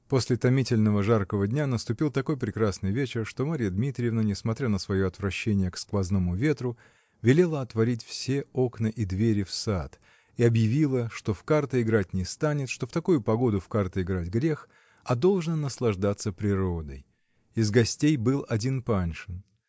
После томительного жаркого дня наступил такой прекрасный вечер, что Марья Дмитриевна, несмотря на свое отвращение к сквозному ветру, велела отворить все окна и двери в сад и объявила, что в карты играть не станет, что в такую погоду в карты играть грех, а должно наслаждаться природой. Из гостей был один Паншин.